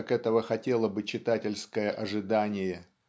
как этого хотело бы читательское ожидание.